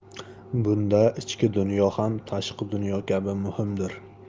bunda ichki dunyo ham tashqi dunyo kabi muhimdir